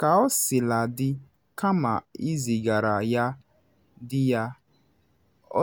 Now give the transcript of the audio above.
Kaosiladị, kama izigara ya di ya,